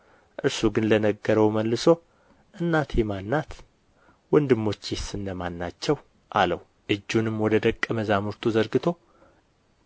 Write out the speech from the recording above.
እርሱ ግን ለነገረው መልሶ እናቴ ማን ናት ወንድሞቼስ እነማን ናቸው አለው እጁንም ወደ ደቀ መዛሙርቱ ዘርግቶ